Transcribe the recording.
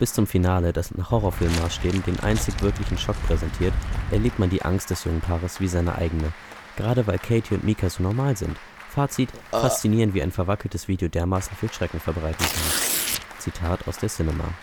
zum Finale, das nach Horrorfilmmaßstäben den einzigen wirklichen Schock präsentiert, erlebt man die Angst des jungen Paares wie seine eigene. Gerade weil Katie und Micah so normal sind. Fazit: Faszinierend, wie ein verwackeltes Video dermaßen viel Schrecken verbreiten kann. “– Cinema